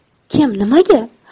kim nimaga